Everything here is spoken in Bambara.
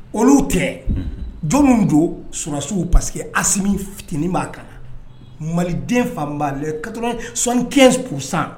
Olu tɛ jɔn min don sulasiw parce que asitini b'a kan maliden fan'a kat sɔnc k'u san